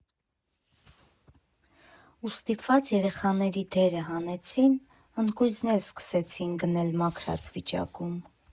Ու ստիպված երեխաների դերը հանեցին, ընկույզն էլ սկսեցին գնել մաքրած վիճակում։